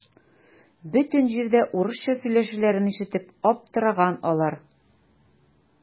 Бөтен җирдә урысча сөйләшүләрен ишетеп аптыраган алар.